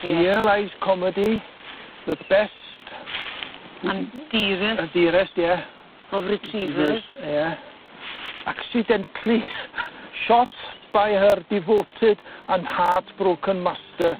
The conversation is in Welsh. Ie. Here lies Comedy the best... And dearest. And dearest ie. Of retrievers. Ia. Accidentally shot by her devoted and heart-broken master.